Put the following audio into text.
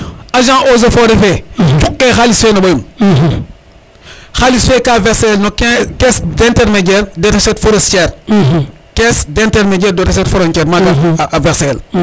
agent eaux et foret cuke xalis fe no ɓayum xalis fe ka verset el no caisse d' intermediaire des recettes frontiere caisse d' intermediaire des recettes frontiere maga a verset el